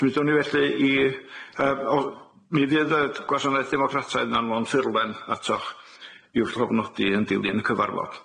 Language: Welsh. S'myndwn ni felly i yy o- mi fydd y gwasanaeth democrataidd yna'n mewn ffurlen atoch i'w llofnodi yn dilyn y cyfarfod.